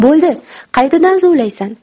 bo'ldi qaytadan zuvlaysan